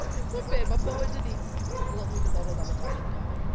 Timod be, ma' bywydau ni lot mwy diddorol na Love Island eleni.